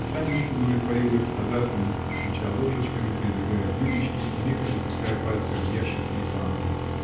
Санин удовлетворил их, с азартом стуча ложечками, передвигая блюдечки и лихо запуская пальцы в ящики и банки.